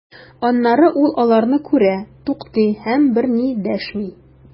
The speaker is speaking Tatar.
Аннары ул аларны күрә, туктый һәм берни дәшми.